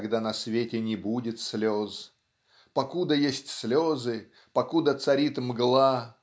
когда на свете не будет слез. Покуда есть слезы покуда царит мгла